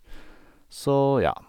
Så, ja.